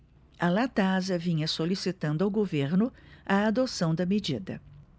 a latasa vinha solicitando ao governo a adoção da medida